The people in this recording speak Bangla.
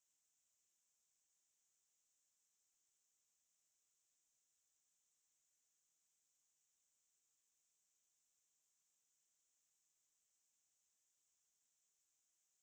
সম্পর্কের অবনতি ঘটে বার্তা সংস্থা তাস এর খবরে বলা হয় পুতিন বলেছেন আমরা দেখতেই পাচ্ছি যে উত্তেজনা হ্রাসে উত্তর কোরীয় নেতৃত্ব অভূতপূর্ণ পদক্ষেপ নিয়েছে